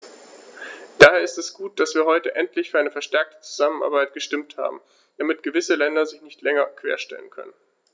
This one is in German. Daher ist es gut, dass wir heute endlich für eine verstärkte Zusammenarbeit gestimmt haben, damit gewisse Länder sich nicht länger querstellen können.